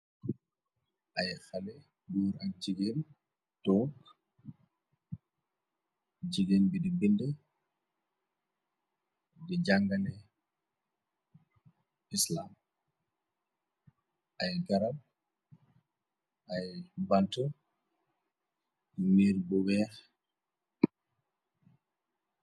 ay xale buur ak jigéen took jigéen bi di bind di jàngane islam ay garab ay bant nir bu weex